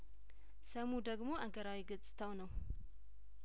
ሰሙ ደግሞ አገራዊ ገጽታው ነው